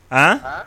Han !!!